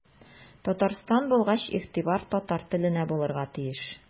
Татарстан булгач игътибар татар теленә булырга тиеш.